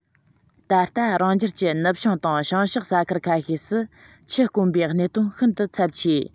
ད ལྟ རང རྒྱལ གྱི ནུབ བྱང དང བྱང ཕྱོགས ས ཁུལ ཁ ཤས སུ ཆུ དཀོན པའི གནད དོན ཤིན ཏུ ཚབས ཆེ